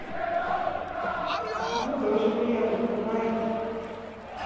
с тобой тоже приятно говорить